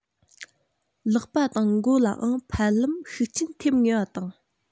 ལག པ དང མགོ ལའང ཕལ ལམ ཤུགས རྐྱེན ཐེབས ངེས པ དང